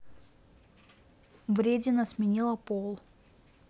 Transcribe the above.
вредина сменила пол